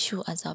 shu azob